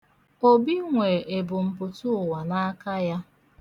Obi nwe ebumputụụwa n'aka ya.